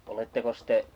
olettekos te